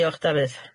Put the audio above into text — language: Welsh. Diolch Dafydd.